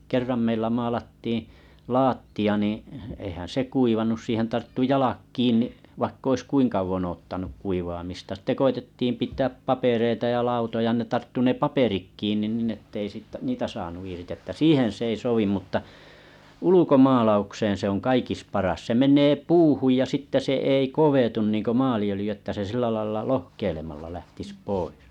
kerran meillä maalattiin lattia niin eihän se kuivanut siihen tarttui jalat kiinni vaikka olisi kuinka kauan odottanut kuivaamista sitten koetettiin pitää papereita ja lautoja ne tarttui ne paperit kiinni niin että ei sitten niitä saanut irti että siihen se ei sovi mutta ulkomaalaukseen se on kaikista paras se menee puuhun ja sitten se ei kovetu niin kuin maaliöljy että se sillä lailla lohkeilemalla lähtisi pois